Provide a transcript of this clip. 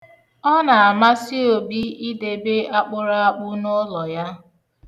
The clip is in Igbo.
Ọ na-amasị Obi idebe akpụraakpụ n'ụlọ ya.